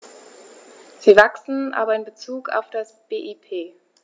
Sie wachsen, aber in bezug auf das BIP.